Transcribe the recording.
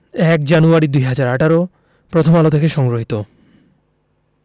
০১ January ২০১৮ Prothom Alo থেকে সংগৃহীত